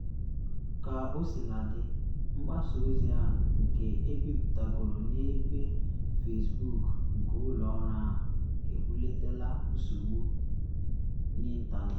Kaosiladị, mgbasa ozi ahụ, nke ebiputegoro n’ibe Facebook nke ụlọ ọrụ ahụ, ebutela nsogbu n’ịntanetị.